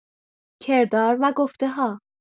کردار و گفته‌ها